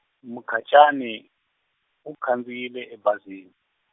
Mukhacani, u khandziyile ebazini.